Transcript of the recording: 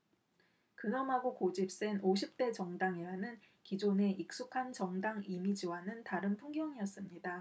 근엄하고 고집센 오십 대 정당이라는 기존의 익숙한 정당 이미지와는 다른 풍경이었습니다